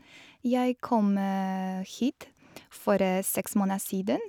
Jeg kom hit for seks måneder siden.